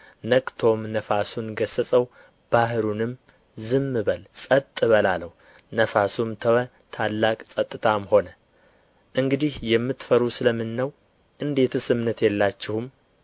ነቅቶም ነፋሱን ገሠጸው ባሕሩንም ዝም በል ፀጥ በል አለው ነፋሱም ተወ ታላቅ ፀጥታም ሆነ እንዲህ የምትፈሩ ስለ ምን ነው እንዴትስ እምነት የላችሁም